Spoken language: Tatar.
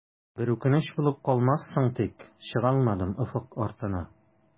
Бер үкенеч булып калмассың тик, чыгалмадым офык артына.